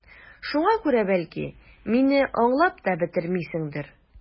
Шуңа күрә, бәлки, мине аңлап та бетермисеңдер...